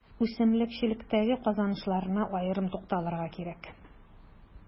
Үсемлекчелектәге казанышларына аерым тукталырга кирәк.